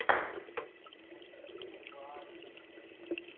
морские клады